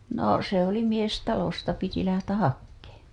no se oli mies talosta piti lähteä hakemaan